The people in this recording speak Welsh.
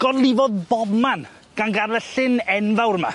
Gorlifodd bobman gan gad'el y llyn enfawr 'ma.